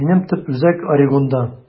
Минем төп үзәк Орегонда.